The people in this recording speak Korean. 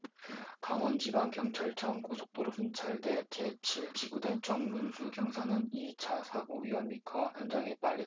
강원지방경찰청 고속도로순찰대 제 칠 지구대 정문수 경사는 이 차 사고 위험이 커 현장에 빨리 가야 합니다